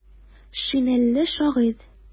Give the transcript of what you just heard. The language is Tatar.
Шинельле шагыйрь.